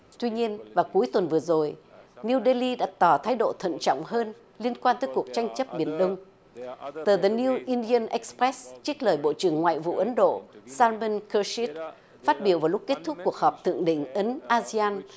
tuy nhiên vào cuối tuần vừa rồi niu đê li đã tỏ thái độ thận trọng hơn liên quan tới cuộc tranh chấp biển đông tờ dờ niu in đi ưn ích pét trích lời bộ trưởng ngoại vụ ấn độ xan bưn cơ xít phát biểu vào lúc kết thúc cuộc họp thượng đỉnh ấn a xê an